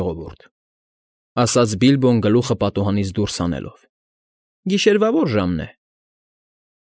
Ժողովուրդ…֊ ասաց Բիլբոն գլուխը պատուհանից դուրս հանելով։֊ Գիշերվա ո՞ր ժամն է։